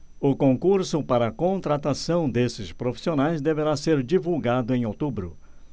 o concurso para contratação desses profissionais deverá ser divulgado em outubro